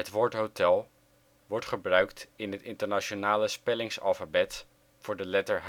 woord " Hotel " wordt gebruikt in het internationale spellingsalfabet voor de letter